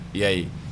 I y'a ye